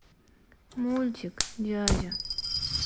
мультик дядя